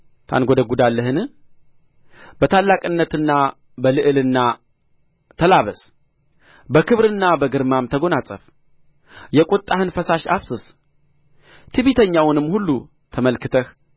ታንጐደጕዳለህን በታላቅነትና በልዕልና ተላበስ በክብርና በግርማም ተጐናጸፍ የቍጣህን ፈሳሽ አፍስስ ትዕቢተኛውንም ሁሉ ተመልክተህ